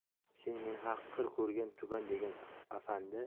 sen meni haqir ko'rgan tuban degan afandi